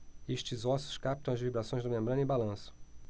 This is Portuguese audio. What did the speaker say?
estes ossos captam as vibrações da membrana e balançam